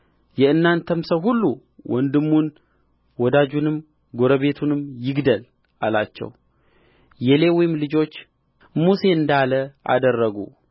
የእናንተም ሰው ሁሉ ወንድሙን ወዳጁንም ጎረቤቱንም ይግደል አላቸው የሌዊም ልጆች ሙሴ እንዳለ አደረጉ